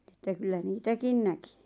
että kyllä niitäkin näki